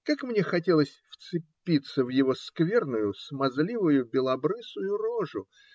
Как мне хотелось вцепиться в его скверную смазливую белобрысую рожу!